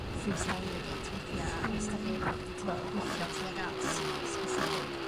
freestyling it weithia. Hmm. Os 'dach chi'n t'bo gweithio tuag at s- yy specific